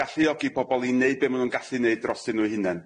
Galluogi pobol i neud be' ma' nw'n gallu neud drosyn nw'i hunen.